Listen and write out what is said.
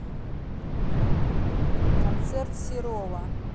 концерт серова